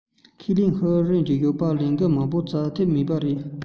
ཁས ལེན ཧྭ ཨེར ཁྲོམ གཞུང གི ལེགས སྒྲིག མང པོ བྱས ཐབས མེད རེད